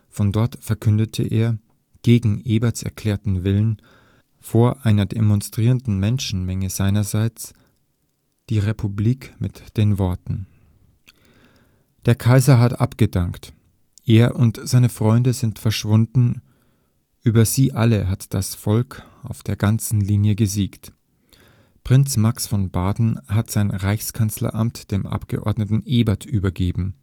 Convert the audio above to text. Von dort verkündete er – gegen Eberts erklärten Willen – vor einer demonstrierenden Menschenmenge seinerseits die Republik mit den Worten: Der Kaiser hat abgedankt. Er und seine Freunde sind verschwunden, über sie alle hat das Volk auf der ganzen Linie gesiegt. Prinz Max von Baden hat sein Reichskanzleramt dem Abgeordneten Ebert übergeben